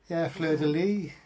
Ie, Fleur dy Lys.